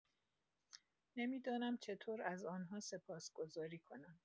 نمی‌دانم چطور از آن‌ها سپاسگزاری کنم.